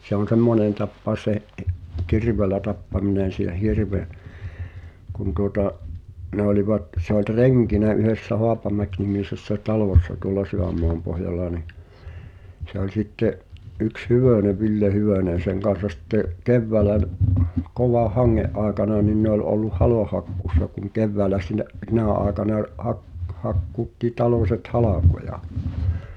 se on semmoinen tapaus se - kirveellä tappaminen sen hirven kun tuota ne olivat se oli renkinä yhdessä Haapamäki-nimisessä talossa tuolla Sydänmaanpohjalla niin se oli sitten yksi Hyvönen Ville Hyvönen sen kanssa sitten keväällä - kovan hangen aikana niin ne oli ollut halonhakkuussa kun keväällä sinä sinä aikana oli - hakkuutti talot halkoja